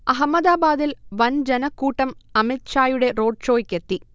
അഹമ്മദാബാദിൽ വൻ ജനക്കൂട്ടം അമിത്ഷായുടെ റോഡ് ഷോയ്ക്കെത്തി